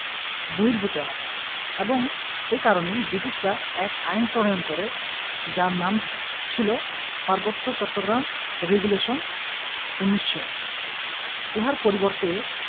বহির্ভূত এলাকা এবং এ কারণেই বৃটিশরা এক আইন প্রণয়ন করে যার নাম ছিল পার্বত্য চট্টগ্রাম রেগুলেশন ১৯০০ উহার পরবর্তীতে